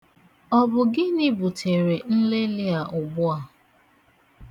Ọ bụ gịnị butere nlelị a ugbu a?